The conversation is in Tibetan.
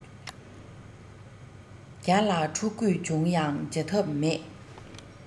བརྒྱ ལ འཁྲུག དགོས བྱུང ཡང བྱ ཐབས མེད